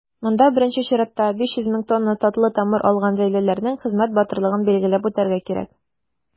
Монда, беренче чиратта, 500 мең тонна татлы тамыр алган зәйлеләрнең хезмәт батырлыгын билгеләп үтәргә кирәк.